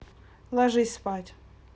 ложись спать